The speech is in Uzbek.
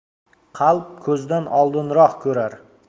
qalb ko'zdan oldinroq ko'rar